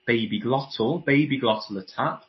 baby glottal baby glottular tap